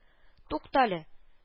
Туктале